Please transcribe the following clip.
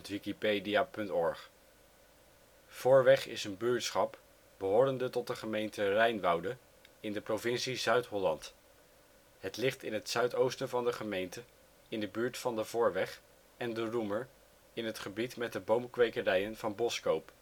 05 ' NB 4° 37 ' OL Voorweg buurtschap in Nederland Situering Provincie Zuid-Holland Gemeente Vlag Rijnwoude Rijnwoude Coördinaten 52° 5′ NB, 4° 37′ OL Portaal Nederland Voorweg is een buurtschap behorende tot de gemeente Rijnwoude in de provincie Zuid-Holland. Het ligt in het zuidoosten van de gemeente in de buurt van Voorweg en De Roemer, in het gebied met de boomkwekerijen van Boskoop